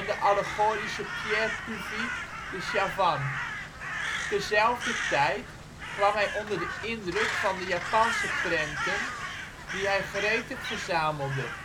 allegorische Pierre Puvis de Chavannes. Tezelfdertijd kwam hij onder de indruk van de Japanse prenten, die hij gretig verzamelde